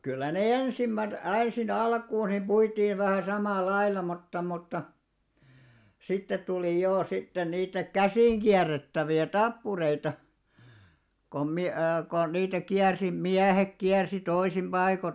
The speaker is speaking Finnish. kyllä ne ensimmäiset ensin alkuun niin puitiin vähän samalla lailla mutta mutta sitten tuli jo sitten niitä käsinkierrettäviä tappureita kun - kun niitä kiersi miehet kiersi toisin paikoin